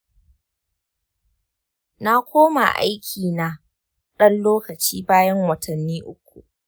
na koma aiki na ɗan lokaci bayan watanni uku.